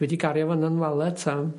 Dwi 'di gario fo yn 'yn walet am